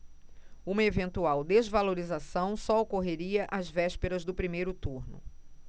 uma eventual desvalorização só ocorreria às vésperas do primeiro turno